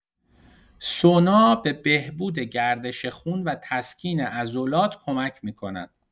سونا به بهبود گردش خون و تسکین عضلات کمک می‌کند.